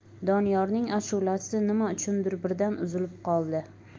doniyorning ashulasi nima uchundir birdan uzilib qoldi